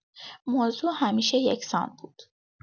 موضوع همیشه یکسان بود